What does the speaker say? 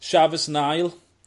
Chaves yn ail.